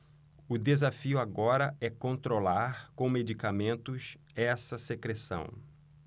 o desafio agora é controlar com medicamentos essa secreção